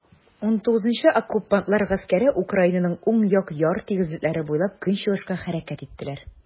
XIX Оккупантлар гаскәре Украинаның уң як яр тигезлекләре буйлап көнчыгышка хәрәкәт иттеләр.